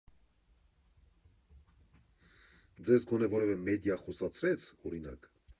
Ձեզ գոնե որևէ մեդիա խոսացրե՞ց օրինակ։